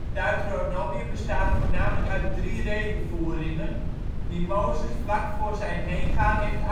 Deuteronomium bestaat voornamelijk uit drie redevoeringen die Mozes vlak voor zijn heengaan heeft